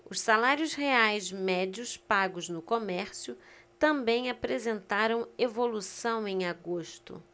os salários reais médios pagos no comércio também apresentaram evolução em agosto